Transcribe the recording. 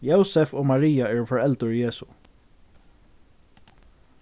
jósef og maria eru foreldur jesu